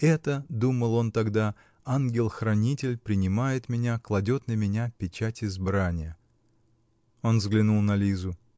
это, думал он тогда, ангел-хранитель принимает меня, кладет на меня печать избрания. Он взглянул на Лизу.